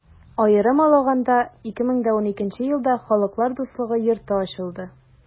Аерым алаганда, 2012 нче елда Халыклар дуслыгы йорты ачылды.